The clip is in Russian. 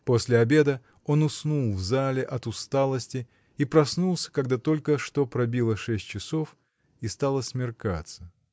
После обеда он уснул в зале от усталости и проснулся, когда только что пробило шесть часов и стало смеркаться.